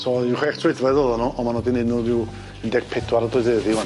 So ryw chwech troedfedd oddan nw on' ma' nw 'di neud nw ryw un deg pedwar o droedfeddi ŵan.